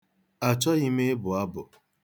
Achọghị m ịbụ abụ.